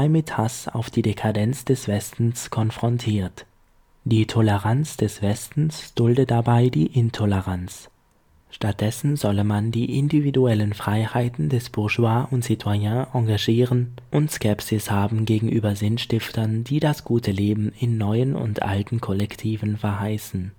mit Hass auf die Dekadenz des Westens konfrontiert; die Toleranz des Westens dulde dabei die Intoleranz. Stattdessen solle man sich für die „ individuellen Freiheiten des Bourgeois und Citoyen “engagieren und Skepsis haben gegenüber „ Sinnstiftern, die das gute Leben in neuen und alten Kollektiven verheißen